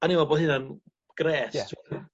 a o'n i me'wl bo' hyna'n grêt. Ie.